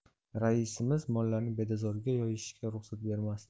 raisimiz mollarni bedazorga yoyishga ruxsat bermasdi